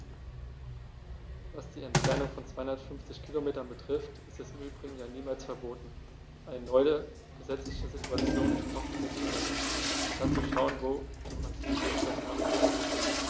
Was die Entfernung von 250 Kilometern betrifft, ist es im Übrigen ja niemals verboten, eine neue gesetzliche Situation in Kraft treten zu lassen und dann zu schauen, wo man sie gegebenenfalls nachbessern kann.